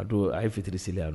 A don a ye fitiri seli yan